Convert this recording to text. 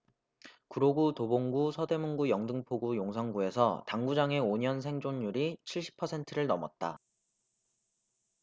구로구 도봉구 서대문구 영등포구 용산구에서 당구장의 오 년 생존율이 칠십 퍼센트를 넘었다